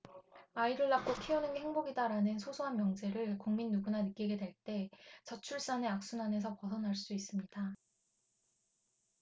아이를 낳고 키우는 게 행복이다라는 소소한 명제를 국민 누구나 느끼게 될 때 저출산의 악순환에서 벗어날 수 있습니다